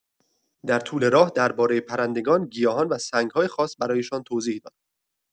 در طول راه، دربارۀ پرندگان، گیاهان و سنگ‌های خاص برایشان توضیح داد.